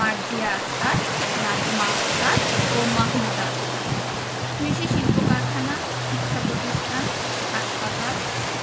মার্জিয়া আক্তার নাজমা আক্তার ও মাহমুদা আক্তার কৃষি শিল্পকারখানা শিক্ষাপ্রতিষ্ঠান হাসপাতাল